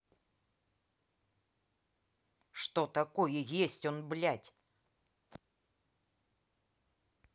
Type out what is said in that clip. что такое есть он блядь